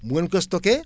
bu ngeen ko stocké